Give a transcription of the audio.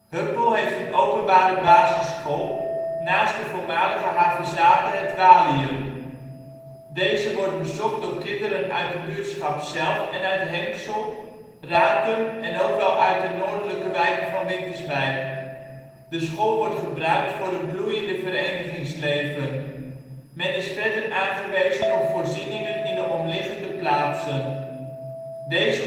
Huppel heeft een openbare basisschool, naast de voormalige havezathe het Waliën. Deze wordt bezocht door kinderen uit de buurtschap zelf en uit Henxel, Ratum en ook wel uit de noordelijke wijken van Winterswijk. De school wordt gebruikt door het bloeiende verenigingsleven. Men is verder aangewezen op voorzieningen in de omliggende plaatsen. Referenties ↑ website gemeente Winterswijk, Feiten en cijfers 2009 Plaatsen in de gemeente Winterswijk Hoofdplaats: Winterswijk Dorp: Meddo Buurtschappen: Corle · Brinkheurne · Henxel · Huppel · Kotten · Miste · Ratum · Woold Voormalige buurtschappen: Oostdorp Buurt · Westdorp Buurt Niet-officiële buurtschap: Vosseveld Gelderland: Steden en dorpen in Gelderland Nederland: Provincies · Gemeenten 52°